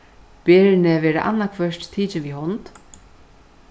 berini verða annaðhvørt tikin við hond